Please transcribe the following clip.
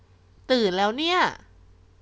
ตื่นแล้วเนี่ย